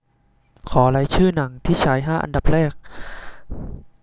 ขอรายชื่อหนังที่ฉายห้าอันดับแรก